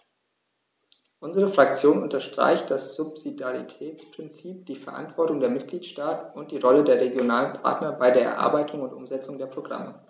Unsere Fraktion unterstreicht das Subsidiaritätsprinzip, die Verantwortung der Mitgliedstaaten und die Rolle der regionalen Partner bei der Erarbeitung und Umsetzung der Programme.